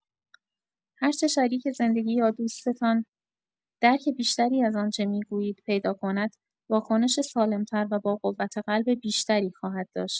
هرچه شریک زندگی یا دوستتان درک بیشتری از آنچه می‌گویید پیدا کند، واکنش سالم‌تر و با قوت قلب بیشتری خواهد داشت.